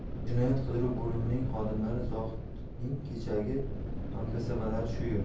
jinoyat qidiruv bo'limining xodimlari zohid ning kechagi hamkasblari shu yerda